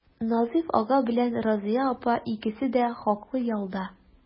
Назыйф ага белән Разыя апа икесе дә хаклы ялда.